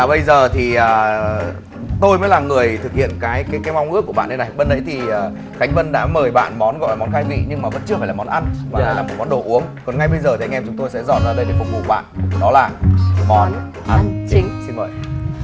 bây giờ thì tôi mới là người thực hiện cái cái cái mong ước của bạn đây này lúc nãy thì khánh vân đã mời bạn món gọi món khai vị nhưng mà vẫn chưa phải là món ăn đồ uống còn ngay bây giờ thì anh em chúng tôi sẽ dọn ra đây để phục vụ bạn đó là món ăn chính xin mời